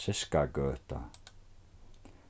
ziskagøta